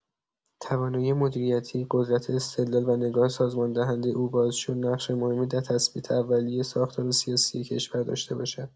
توانایی مدیریتی، قدرت استدلال و نگاه سازمان‌دهنده او باعث شد نقش مهمی در تثبیت اولیه ساختار سیاسی کشور داشته باشد.